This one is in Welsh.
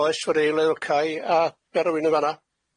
Oes fod eilydd o'r cae a Gerwyn yn fan'a.